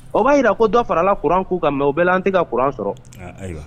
O b'a jira ko dɔ farala kuran coût kan mais o bɛ la an tɛ ka kuran sɔrɔ, a ayiwa